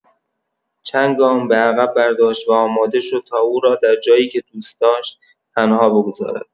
چند گام به‌عقب برداشت و آماده شد تا او را در جایی که دوست داشت، تنها بگذارد.